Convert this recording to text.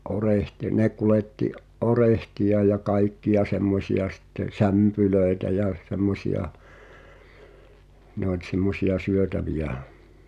- ne kuljetti orehteja ja kaikkia semmoisia sitten sämpylöitä jä semmoisia ne oli semmoisia syötäviä